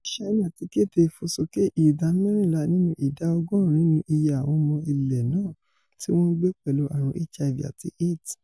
Orilẹ̵-ede Ṣáínà ti kéde ìfòsókè ìdá mẹ́rìnlá nínú ìdá ọgọ́ọ̀rún nínú iye àwọn ọmọ ilẹ̀ náà tíwọ́n ńgbé pẹ̀lú ààrùn HIV àti Aids.